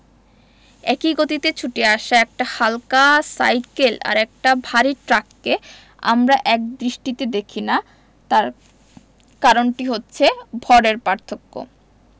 একই গতিতে ছুটে আসা একটা হালকা সাইকেল আর একটা ভারী ট্রাককে আমরা একদৃষ্টিতে দেখি না তার কারণটি হচ্ছে ভরের পার্থক্য